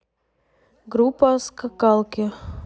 группа скакалки